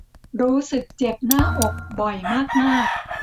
รู้สึกเจ็บหน้าอกบ่อยมากมาก